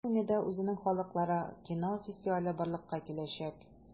Сухумида үзенең халыкара кино фестивале барлыкка киләчәк.